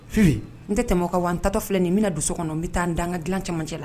Fili, n tɛ tɛmɛ o kan wa n tatɔ filɛ nin ye n bɛna don so kɔnɔ n bɛ taa n dan n ka dilan cɛmancɛ la